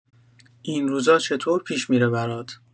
این روزا چطور پیش می‌ره برات؟